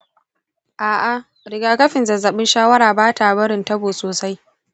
a'a, rigakafin zazzabin shawara ba ta barin tabo sosai.